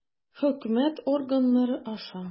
Хөкүмәт органнары аша.